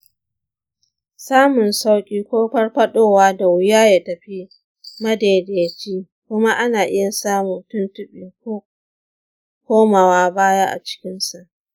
samun sauƙi ko farfadowa da wuya ya tafi madaidaici kuma ana iya samun tuntuɓe ko komawa baya a cikinsa.